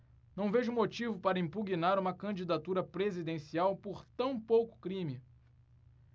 não vejo motivo para impugnar uma candidatura presidencial por tão pouco crime